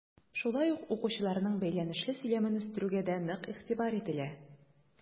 Шулай ук укучыларның бәйләнешле сөйләмен үстерүгә дә нык игътибар ителә.